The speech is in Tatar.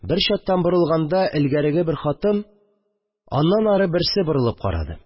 Бер чаттан борылганда, элгәреге бер хатын, аннан ары берсе борылып карады